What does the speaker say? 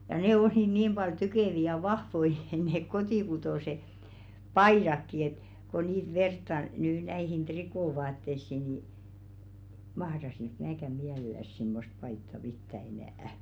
ja ne oli niin paljon tykeviä ja vahvoja ne kotikutoiset paidatkin että kun niitä vertaa nyt näihin trikoovaatteisiin niin mahtaisinko minäkään mielellänsä semmoista paitaa pitää enää